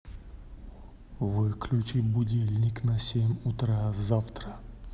выключи будильник на семь утра завтра